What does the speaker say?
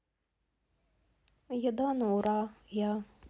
еда на ура я